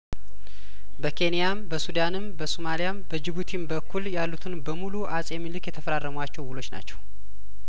በኬንያም በሱዳንም በሱማሊያም በጅቡቲም በኩል ያሉትን በሙሉ አጼሚንሊክ የተፈራረሟቸው ውሎች ናቸው